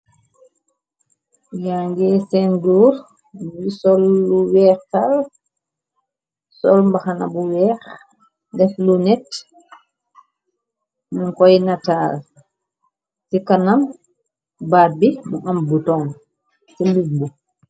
Yaa ngee sèèn gor bu sol lu wèèx tal sol mbaxana bu wèèx def lunett mu koy nataal ci kanam bat bi bu am buton ci mbubu bi.